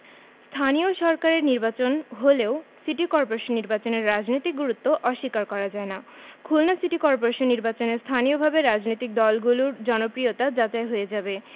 স্থানীয় সরকারের নির্বাচন হলেও সিটি করপোরেশন নির্বাচনের রাজনৈতিক গুরুত্ব অস্বীকার করা যায় না খুলনা সিটি করপোরেশন নির্বাচনে স্থানীয়ভাবে রাজনৈতিক দলগুলোর জনপ্রিয়তা যাচাই হয়ে যাবে